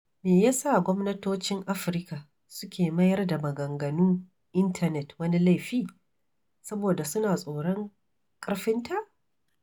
Me ya sa gwamnatocin Afirka suke mayar da maganganun intanet wani laifi? Saboda suna tsoron ƙarfinta.